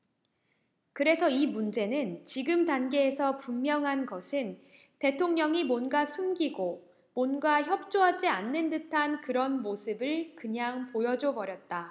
그래서 이 문제는 지금 단계에서 분명한 것은 대통령이 뭔가 숨기고 뭔가 협조하지 않는 듯한 그런 모습을 그냥 보여줘버렸다